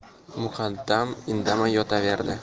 muqaddam indamay yotaverdi